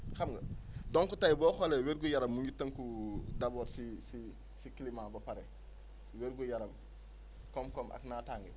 xam nga donc tey boo xoolee wér-gu-yaram mu ngi tënku d' abord si si si climat ba pare wér-gu-yaram koom-koom ak naataange